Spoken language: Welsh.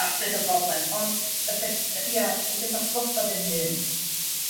...datrys y broblem ond y beth yy ia y jys atgoffa dy hun